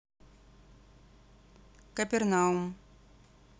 капернаум